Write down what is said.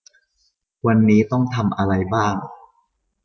วันนี้ต้องทำอะไรบ้าง